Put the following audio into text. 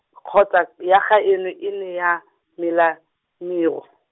kgotla ya gaeno e ne ya, mela, mhero.